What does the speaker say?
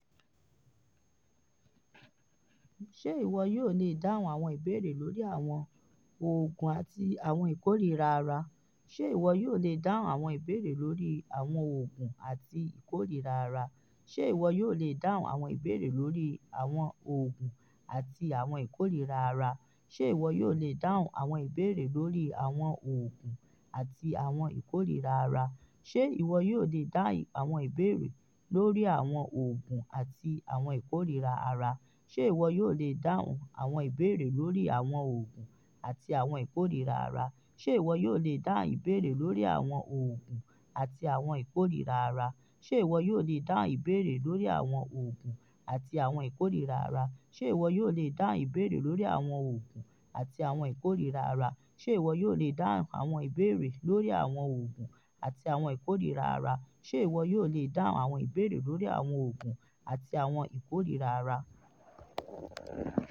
Ṣé ìwọ yóò lè dáhùn àwọn ìbéèrè lórí àwọn oogun àti àwọn ìkórira ara?